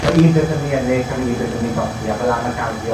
Ma' un peth yn myn' i ennill a ma' un peth yn myn' i golli, a fela ma' garddio